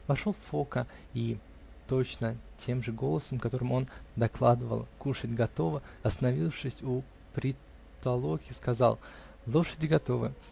Вошел Фока и точно тем же голосом, которым он докладывал "кушать готово", остановившись у притолоки, сказал: "Лошади готовы".